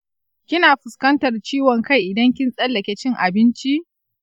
kina fuskantar ciwon kai idan kin tsallake cin abinci?